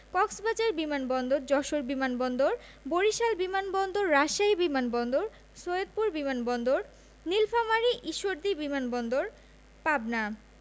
কক্সবাজার বিমান বন্দর যশোর বিমান বন্দর বরিশাল বিমান বন্দর রাজশাহী বিমান বন্দর সৈয়দপুর বিমান বন্দর নিলফামারী ঈশ্বরদী বিমান বন্দর পাবনা